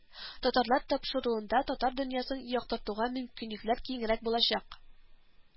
Татарлар тапшыруында татар дөньясын яктыртуга мөмкинлекләр киңрәк булачак